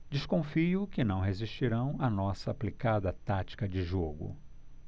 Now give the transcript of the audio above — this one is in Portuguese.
desconfio que não resistirão à nossa aplicada tática de jogo